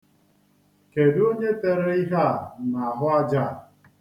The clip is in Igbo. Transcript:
Kedu onye tere ihe a n'ahụaja a?